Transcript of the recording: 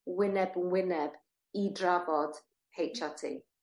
wyneb yn wyneb i drafod Heitch Are Tee.